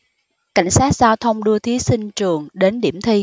cảnh sát giao thông đưa thí sinh trường đến điểm thi